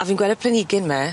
A fi'n gwel' y planigyn 'my.